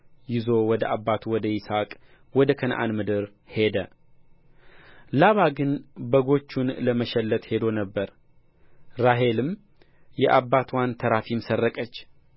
ይዞ ወደ አባቱ ወደ ይስሐቅ ወደ ከነዓን ምድር ሄደ ላባ ግን በጎቹን ለመሸለት ሄዶ ነበር ራሔልም የአባትዋን ተራፊም ሰረቀች